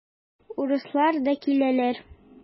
Урыслар да киләләр.